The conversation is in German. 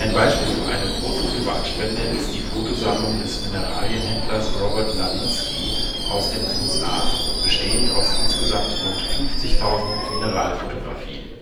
Beispiel für eine große Privatspende ist die Fotosammlung des Mineralienhändlers Robert Lavinsky aus den USA, bestehend aus insgesamt rund 50.000 Mineralfotografien